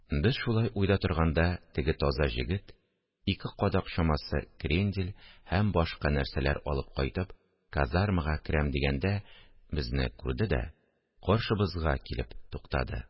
Без шулай уйда торганда, теге таза җегет, ике кадак чамасы крендель һәм башка нәрсәләр алып кайтып, казармага керәм дигәндә, безне күрде дә каршыбызга килеп туктады